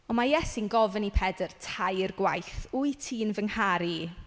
Ond mae Iesu'n gofyn i Pedr tair gwaith "Wyt ti'n fy ngharu i?"